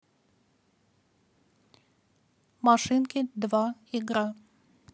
машинки два игра